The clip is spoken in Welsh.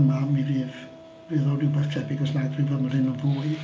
yma, mi fydd fydd o rywbeth tebyg os nad ryw fymryn yn fwy.